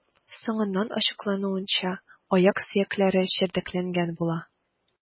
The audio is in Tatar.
Соңыннан ачыклануынча, аяк сөякләре чәрдәкләнгән була.